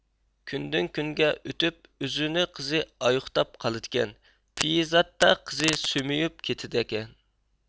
كۈندۈن كۈنگە ئۆتۈپ ئۆزۈنۈ قىزى ئايۇختاپ قالىدىكەن پېيىزاتتا قىزى سۆمۈيۈپ كېتەدىكەن